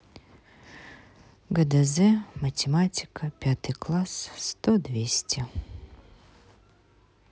гдз математика пятый класс сто двести